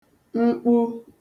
mkpu